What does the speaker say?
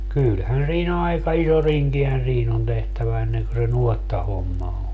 kyllähän siinä aika iso rinkihän siinä on tehtävä ennen kuin se nuottahomma on